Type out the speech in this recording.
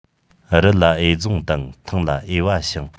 རི ལ འོས རྫོང དང ཐང ལ འོས པ ཞིང